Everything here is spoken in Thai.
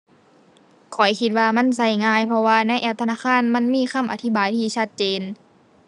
ข้อยคิดว่ามันใช้ง่าย เพราะว่าในแอปธนาคารมันมีคำอธิบายที่ชัดเจน